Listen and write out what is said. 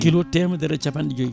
kilo temedere capanɗe jooyi